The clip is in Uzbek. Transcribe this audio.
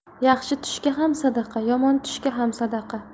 yaxshi tushga ham sadaqa yomon tushga ham sadaqa